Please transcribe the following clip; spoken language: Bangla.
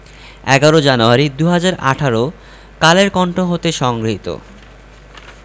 ১১ জানুয়ারি ২০১৮ কালের কন্ঠ হতে সংগৃহীত